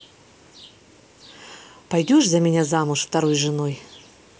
пойдешь за меня замуж второй женой